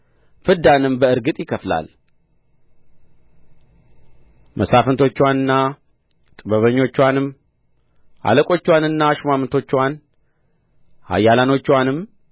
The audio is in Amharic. ፍዳንም በእርግጥ ይከፍላል መሳፍንቶችዋንና ጥበበኞችዋንም አለቆችዋንና ሹማምቶችዋን ኃያላኖችዋንም